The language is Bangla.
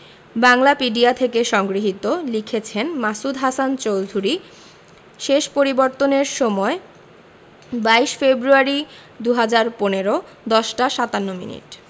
বাংলাপিডিয়া থেকে সংগৃহীত লিখেছেন মাসুদ হাসান চৌধুরী শেষ পরিবর্তনের সময় ২২ ফেব্রুয়ারি ২০১৫ ১০ টা ৫৭ মিনিট